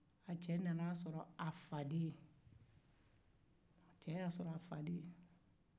a cɛ y'a sɔrɔ a fade ye